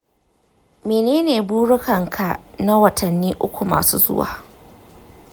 mene ne burukanka na watanni uku masu zuwa?